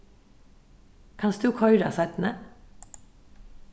kanst tú koyra seinni